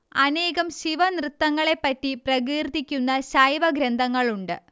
അനേകം ശിവനൃത്തങ്ങളെപ്പറ്റി പ്രകീർത്തിക്കുന്ന ശൈവഗ്രന്ഥങ്ങളുണ്ട്